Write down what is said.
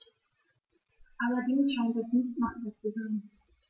Allerdings scheint das nicht machbar zu sein.